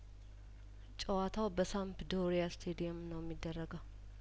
ጨዋታው በሳምፕዶሪያስታዲየም ነው እሚ ደረገው